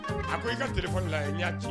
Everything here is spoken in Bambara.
A ko i ka telephone la n y'a ci.